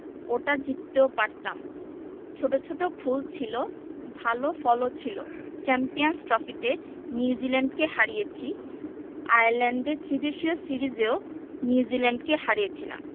ওটা জিততেও পারতাম ছোট ছোট ভুল ছিল ভালো ফলও ছিল চ্যাম্পিয়নস ট্রফিতে নিউজিল্যান্ডকে হারিয়েছি আয়ারল্যান্ডে ত্রিদেশীয় সিরিজেও নিউজিল্যান্ডকে হারিয়েছিলাম